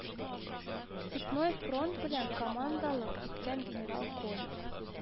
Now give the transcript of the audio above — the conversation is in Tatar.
Степной фронт белән командалык иткән генерал Конев